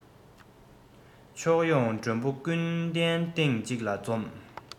ཕྱོགས ཡོང མགྲོན པོ ཀུན གདན སྟེང གཅིག ལ འཛོམས